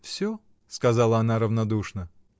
— Всё, — сказала она равнодушно.